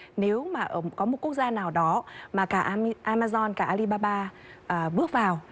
nếu mà ờm có một quốc gia nào đó mà cả a mi a ma don cả a li ba ba à bước vào